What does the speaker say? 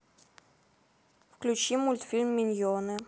включи мультфильм миньоны